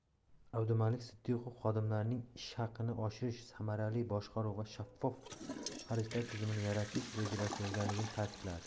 abdumalik siddiqov xodimlarning ish haqini oshirish samarali boshqaruv va shaffof xaridlar tizimini yaratish rejalashtirilganligini ta'kidladi